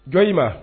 Joli ma